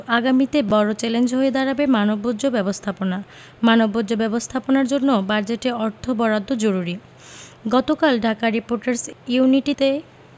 আগামীতে বড় চ্যালেঞ্জ হয়ে দাঁড়াবে মানববর্জ্য ব্যবস্থাপনা মানববর্জ্য ব্যবস্থাপনার জন্য বাজেটে অর্থ বরাদ্দ জরুরি গতকাল ঢাকা রিপোর্টার্স ইউনিটিতে